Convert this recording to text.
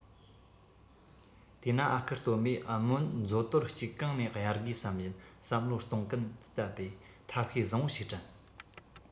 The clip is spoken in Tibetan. དེས ན ཨ ཁུ སྟོན པས རྨོན མཛོ དོར གཅིག གང ནས གཡར དགོས བསམ བཞིན བསམ བློ གཏོང གིན གཏད པས ཐབས ཤེས བཟང པོ ཞིག དྲན